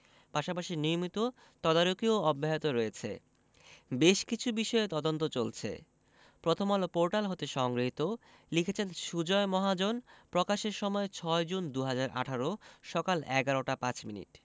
পাশাপাশি নিয়মিত তদারকিও অব্যাহত রয়েছে বেশ কিছু বিষয়ে তদন্ত চলছে প্রথমআলো পোর্টাল হতে সংগৃহীত লিখেছেন সুজয় মহাজন প্রকাশের সময় ৬জুন ২০১৮ সকাল ১১টা ৫ মিনিট